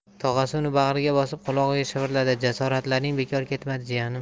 tog'asi uni bag'riga bosib qulog'iga shivirladi jasoratlaring bekor ketmadi jiyanim